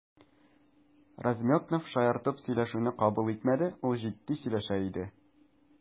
Размётнов шаяртып сөйләшүне кабул итмәде, ул җитди сөйләшә иде.